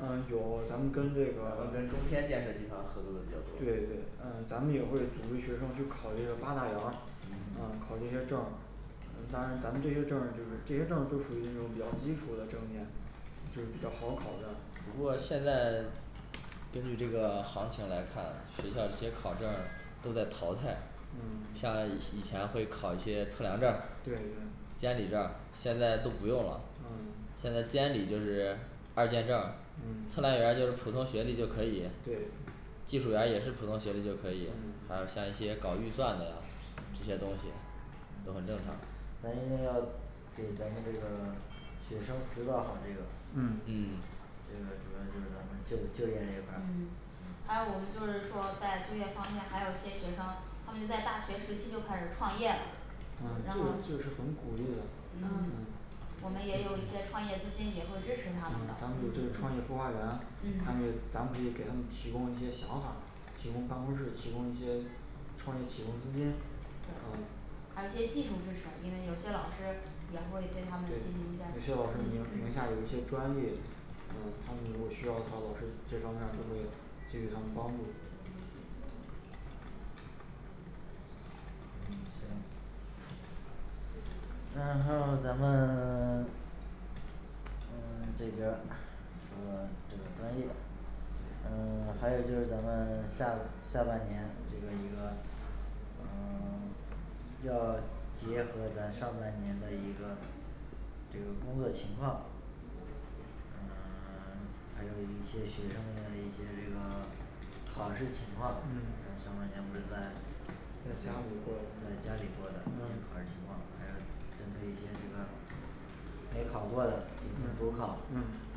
嗯有咱们嗯对，咱跟那个们对跟中天建设集团合作的比较对多嗯咱们也会组织学生去考这个这八大员儿嗯考这些证那当然咱们这些证儿就是这些证儿都属于那种比较基础的证件就是比较好考的不过现在根据这个行情来看学校这些考证儿都在淘汰嗯像以前会考一些测量证儿对对监理证儿现在都不用了嗯现在监理就是二建证儿测量员儿就是普通嗯学历就可以对技术员儿也是普通学历就可以还有嗯像一些搞预算的一些东西都很正常嗯嗯嗯还有我们就是说在就业方面还有一些学生他们在大学时期就开始创业了啊然这后个这嗯个是很鼓励的嗯嗯嗯我们也有一些创业资金也会支持他们的嗯嗯创业启动资金啊对学校你像有一些专利嗯他们如果需要的话老师这方面儿就会给予他们帮助然后咱们 嗯 这边儿这个这个专业嗯 还有就是咱们下下半年这个这个嗯 要结合咱上半年的一个这个工作情况嗯在家里过的嗯嗯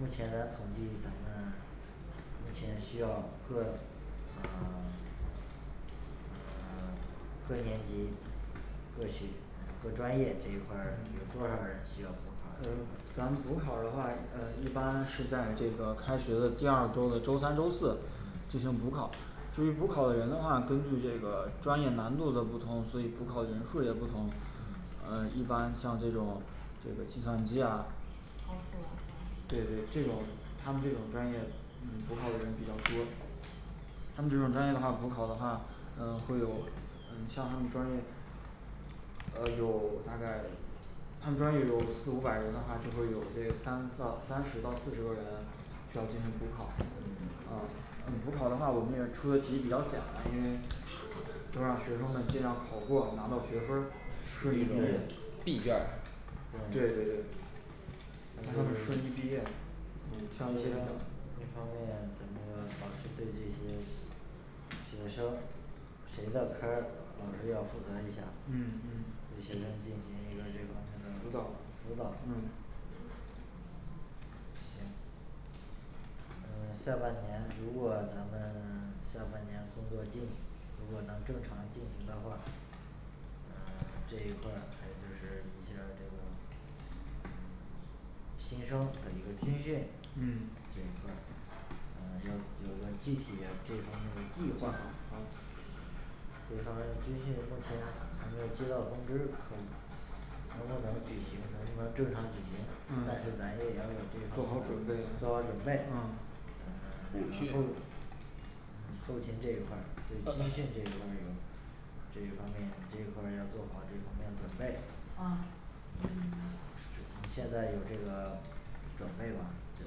目前呢统计咱们目前需要各嗯 嗯咱们补考的话呃一般是在这个开学的第二周的周三周四嗯进行补考对于补考的人的话根据这个专业难度的不同所以补考人数也不同嗯嗯一般像这种这个计算机高数啊啊对是吧对这种他们这种专业嗯补考人比较多他们这种专业话补考的话嗯会有像像他们专业呃有大概他们专业有四五百人的话就会有这三到三十到四十个人需要进行补考嗯嗯补考的话我们那出的题比较简单因为就让学生们尽量考过拿到学分儿顺利通对过闭卷儿对对对让他们顺利毕业嗯像一些这方面咱那个老师对这些学生嗯辅导嗯嗯行嗯 这一块儿还有就是你像这种嗯 嗯计划好这方面儿军训目前还没有接到通知对嗯做好准备嗯这一方面儿你这一块儿要做好这方面准备哦嗯现在有这个准备吗就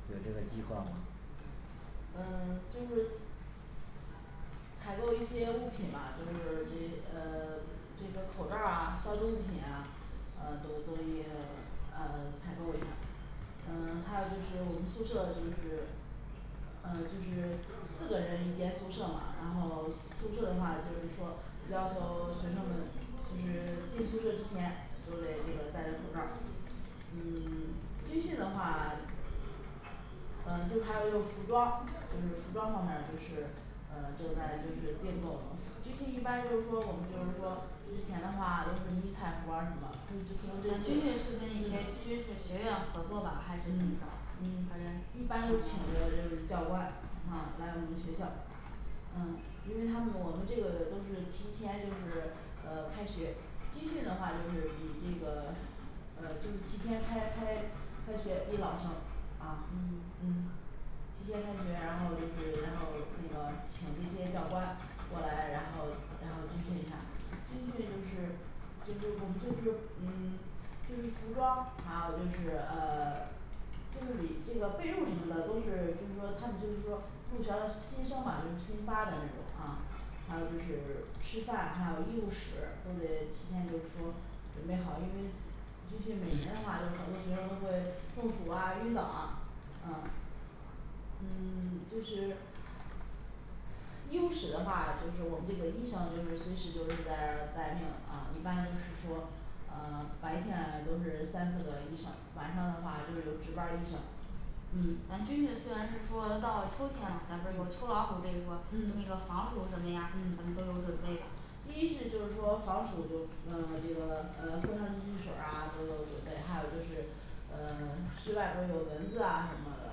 是有这个计划吗嗯 就是采购一些物品吧就是这嗯 这个口罩儿啊消毒物品啊嗯都都也 呃采购一下嗯还有就是我们宿舍就是呃就是四个人一间宿舍嘛然后宿舍的话就是说要求学生们就是进宿舍之前都得这个戴着口罩儿嗯 军训的话一般都请的就是教官啊来我们学校嗯因为他们呢我们这个都是提前就是呃开学军训的话就是比这个 嗯就是提前开开开学比老生啊嗯嗯提前开学然后就是然后那个请这些教官过来然后然后军训一下军训就是就是我们就是嗯就是服装还有就是呃 就是你这个被褥什么的都是就是说他们就是说入学的新生吧就是新发的那种啊还有就是吃饭还有医务室都得提前就是说准备好因为军训每年的话有好多学生都会中暑啊晕倒啊嗯嗯 就是医务室的话就是我们这个医生就是随时就是在那儿待命啊一般就是说呃白天啊都是三四个医生晚上的话就有值班儿医生嗯嗯咱军训虽然是说到了秋天了但不是有秋老虎这一说就那嗯个防暑什么呀咱们嗯都有准备吧第一是就是说防暑就呃这个呃藿香正气水儿啊都有准备还有就是呃 室外不是有蚊子啊什么的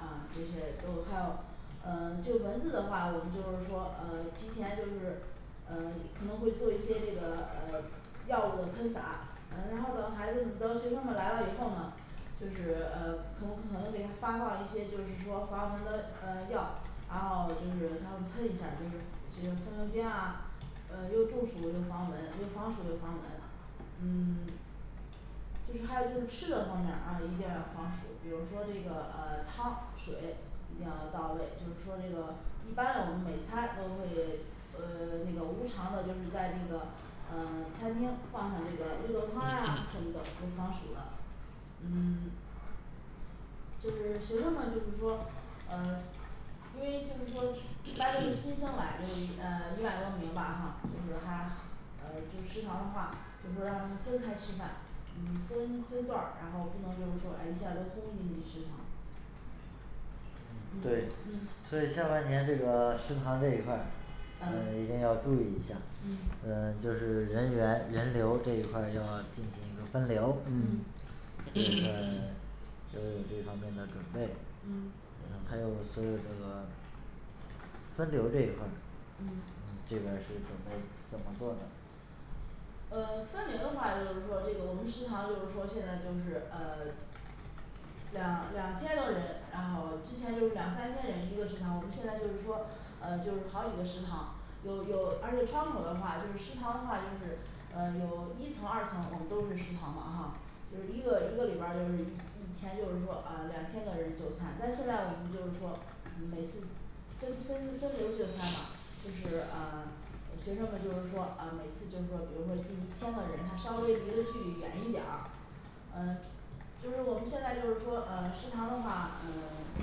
啊这些都还有嗯这蚊子的话我们就是说嗯提前就是嗯可能会做一些这个呃药物的喷洒嗯然后等孩子们等学生们来了以后呢就是呃可能可能给他发放一些就是说防蚊的呃药然后就是他们喷一下儿就是这风油精啊嗯又中暑又防蚊又防暑又防蚊嗯 就是还有就是吃的方面儿啊一定要防暑比如说这个呃汤水一定要到位就是说这个一般我们每餐都会呃那个无偿的就是在那个嗯餐厅放上这个绿豆汤呀什么的这都防暑的嗯 就是学生们就是说嗯因为就是说一般都是新生来有嗯一万多名吧哈就是还呃就食堂的话就是说让他们分开吃饭嗯分分段儿然后不能就是说哎一下都轰进去食堂嗯对所以嗯下半年这个食堂这一块儿呃呃一定要注意一下嗯呃就是人员人流这一块儿要进行一个分流嗯这块儿都有这方面的准备嗯嗯还有所有这个分流这一块儿嗯这边儿是准备怎么做呢嗯分流的话就是说这个我们食堂就是说现在就是呃两两千多人然后之前就是两三千人一个食堂我们现在就是说嗯就是好几个食堂有有而且窗口的话就是食堂的话就是嗯有一层二层我们都是食堂嘛哈就是一个一个里边儿就是以以前就是说啊两千个人就餐但现在我们就是说每次分分分流儿就餐嘛就是啊学生们就是说啊每次就是说比如说进一千个人他稍微离得距离远一点儿嗯 就是我们现在就是说嗯食堂的话嗯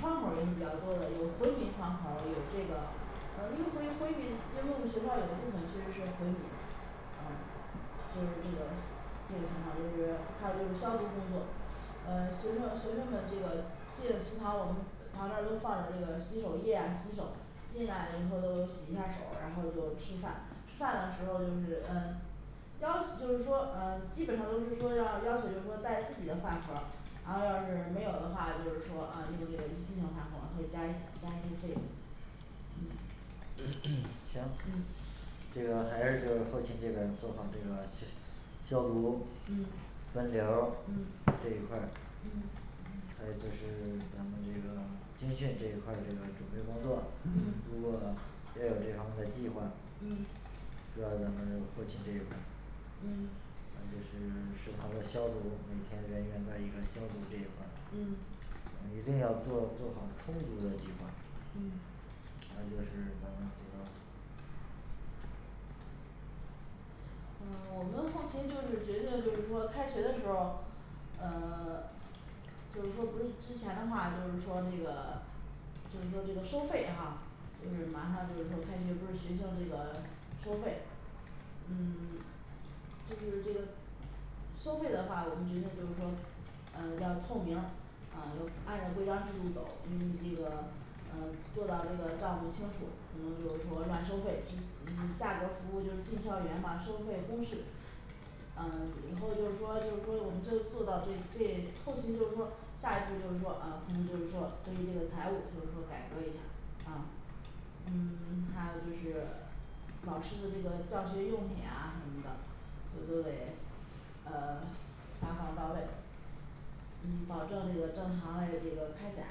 窗口儿也是比较多的有回民窗口儿有这个呃因为回回民因为我们学校有一部分确实是回民嗯就是这个这个情况就是还有就是消毒工作嗯学生学生们这个进食堂我们旁边儿都放着这个洗手液洗手进来以后都洗一下手然后就吃饭吃饭的时候就是嗯要求就是说嗯基本上都是说要要求就是说带自己的饭盒儿然后要是没有的话就是说啊用这个一次性饭盒儿会加一加一些费用嗯嗯行这个还是说后勤这边儿做好这个消毒嗯分流儿嗯这一块儿嗯嗯再就是我们这个军训这一块儿这个准备工作嗯如果要有这方面的计划嗯主要还是我们后勤这一块儿嗯就是食堂的消毒每天人员的一个消毒这一块儿嗯我们一定要做做好充足的计划嗯嗯 我们后勤就是决定就是说开学的时候儿嗯 就是说不是之前的话就是说那个 就是说这个收费哈就是马上就是说开学不是学校这个收费嗯 就是这个收费的话我们决定就是说嗯要透明儿嗯要按照规章制度走因为这个嗯做到这个账目清楚不能就是说乱收费嗯价格服务就是进校园嘛收费公示嗯以后就是说就是说我们就做到这这后期就是说下一步就是说呃可能就是说根据这个财务就是说改革一下啊嗯 还有就是老师的这个教学用品啊什么的这都得呃发放到位嗯保证这个正常嘞这个开展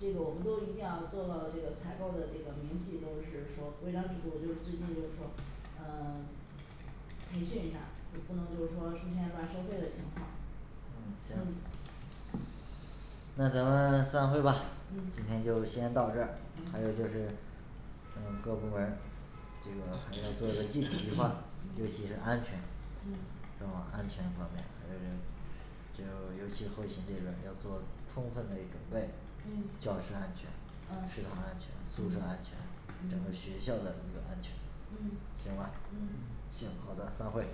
这种我们都一定要做到这个采购的这个明细都是说规章制度就最近就是说嗯 培训一下儿就不能就是说出现乱收费的情况嗯行嗯那咱们散会吧今嗯天就先到这儿还有就嗯是嗯嗯嗯啊嗯嗯嗯嗯嗯